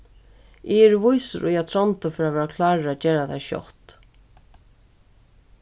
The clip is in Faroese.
eg eri vísur í at tróndur fer at verða klárur at gera tað skjótt